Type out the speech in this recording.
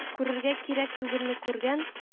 Күрергә кирәк түгелне күргән